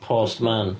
Post man.